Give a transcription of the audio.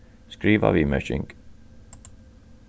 skriva viðmerking